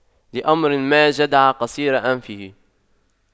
لأمر ما جدع قصير أنفه